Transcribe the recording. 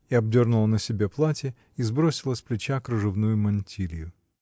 (и обдернула на себе платье и сбросила с плеча кружевную мантилью).